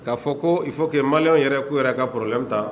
K kaa fɔ ko' fɔ kɛ mali yɛrɛ k'u yɛrɛ ka porolen ta